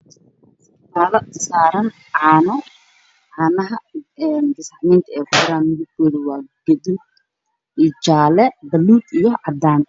Meeshan waxaa yaalo saxan cad oo uu ku jiro buskud